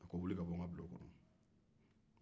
wuli ka bo n ka bulon kɔnɔ